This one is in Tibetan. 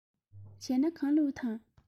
བྱས ན གང བླུགས དང